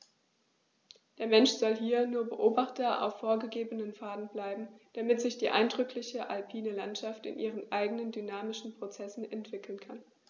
Der Mensch soll hier nur Beobachter auf vorgegebenen Pfaden bleiben, damit sich die eindrückliche alpine Landschaft in ihren eigenen dynamischen Prozessen entwickeln kann.